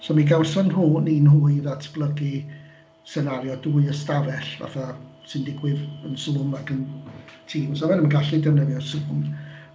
So mi gawson nhw ni nhw i ddatblygu senario dwy ystafell, fatha sy'n digwydd yn Zoom ac yn Teams oedden ni'm yn gallu defnyddio Zoom.